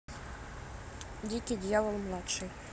дикий дьявол младший